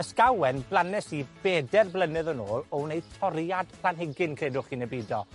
Ysgawen blanes i beder blynedd yn ôl, o wneud toriad planhigyn credwch chi ne' bido.